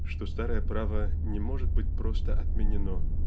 что старое право не может быть просто отменено